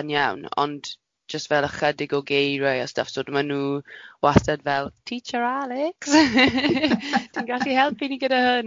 yn iawn, ond jyst fel ychydig o geiriau a stwff, so maen nhw wastad fel, teacher Alex, ti'n gallu helpu ni gyda hwn?